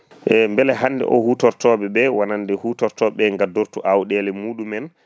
ey bele hande hutortoɓeɓe wonande hutortoɓeɓe gatdortu awɗele muɗumen